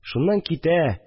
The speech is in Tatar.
Шуннан китә